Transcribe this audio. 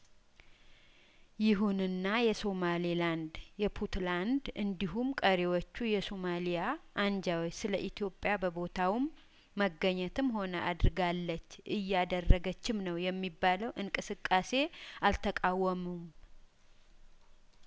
ይሁንና የሶማሌ ላንድ የፑትላንድ እንዲሁም ቀሪዎቹ የሱማሊያ አንጃዎች ስለኢትዮጵያ በቦታውም መገኘትም ሆነ አድርጋለች እያደረገችም ነው የሚባለው እንቅስቃሴ አልተቃወሙም